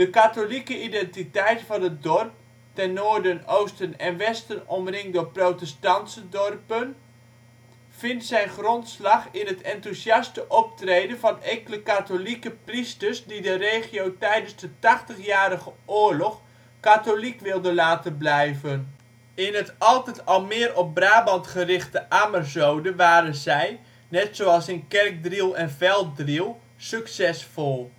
katholieke identiteit van het dorp - ten noorden, oosten en westen omringd door protestante dorpen - vindt zijn grondslag in het enthousiaste optreden van enkele katholieke priesters die de regio tijdens de Tachtigjarige Oorlog katholiek wilden laten blijven. In het altijd al meer op Brabant gerichte Ammerzoden waren zij, net zoals in Kerkdriel en Velddriel, succesvol